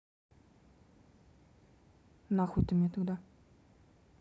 нахуй ты мне тогда